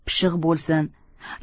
pishiq bo'lsin